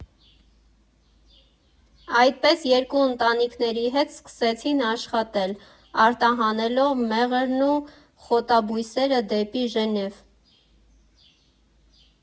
Այդպես երկու ընտանիքների հետ սկսեցին աշխատել՝ արտահանելով մեղրն ու խոտաբույսերը դեպի Ժնև։